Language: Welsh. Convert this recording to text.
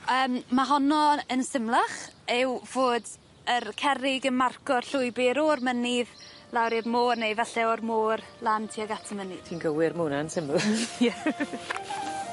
Yym ma' honno yn symlach yw fod yr cerrig yn marco'r llwybyr o'r mynydd lawr i'r môr neu falle o'r môr lan tuag at y mynydd. Ti'n gywir ma' wnna yn symyl. Ie!